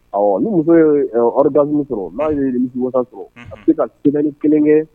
Ɔ ni muso yeɔrid sɔrɔ n'a ye san sɔrɔ a bɛ se ka kɛmɛ ni kelen kɛ